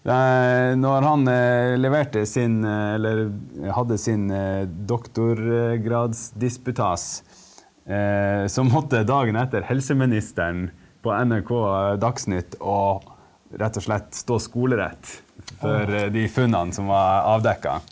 da når han leverte sin eller hadde sin doktorgradsdisputas, så måtte dagen etter helseministeren på NRK Dagsnytt og rett og slett stå skolerett for de funnene som var avdekka.